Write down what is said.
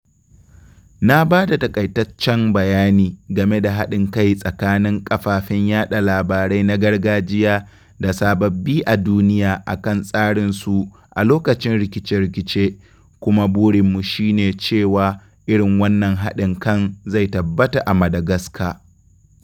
Na ba da taƙaitaccen bayani game da haɗin kai tsakanin kafafen yaɗa labarai na gargajiya da sababbi a duniya akan tasirinsu a lokacin rikice-rikice kuma burinmu shine cewa irin wannan haɗin kan zai tabbata a Madagascar.